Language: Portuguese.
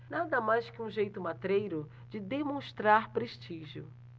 nada mais que um jeito matreiro de demonstrar prestígio